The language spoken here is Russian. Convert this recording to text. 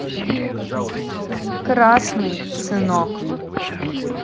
красный сынок